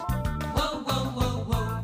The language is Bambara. Ko ko